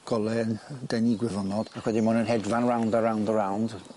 weyn 'dy ni gwyfonod ac wedyn ma' nw'n hedfan rownd a rownd a rownd